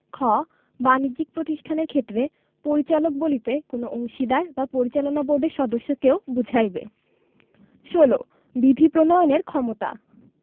খ বাণিজ্যিক প্রতিষ্ঠানের ক্ষেত্রে পরিচালক বলিতে কোন অংশীদার বা পরিচালনা বোর্ডের সদস্যকেও বুঝাইবে ১৬ বিধি প্রণয়নের ক্ষমতা